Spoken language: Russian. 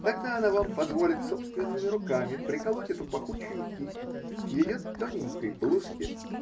Тогда она вам позволит собственными руками приколоть эту пахучую кисть к ее тоненькой блузке.